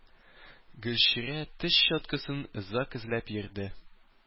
Гөлчирә теш щеткасын озак эзләп йөрде.